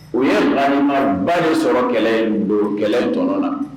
U ye 2maba de sɔrɔ kɛlɛ don kɛlɛ tɔnɔ na